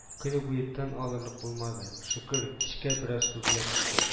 Көне буе тын алырлык булмады, шөкер, кичкә бераз сүрелә төште